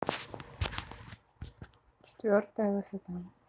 четвертая высота